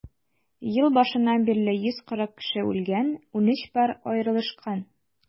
Ел башыннан бирле 140 кеше үлгән, 13 пар аерылышкан.